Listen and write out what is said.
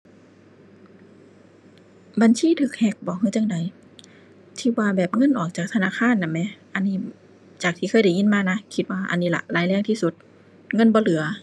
บัญชีถูกแฮ็กบ่ หรือจั่งใด ที่ว่าแบบเงินออกจากธนาคารน่ะแหม อันนี้จากที่เคยได้ยินมานะ คิดว่าอันนี้ล่ะ ร้ายแรงที่สุด เงินบ่เหลือ